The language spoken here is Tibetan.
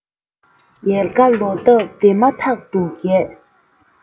ཡལ ག ལོ འདབ དེ མ ཐག ཏུ རྒྱས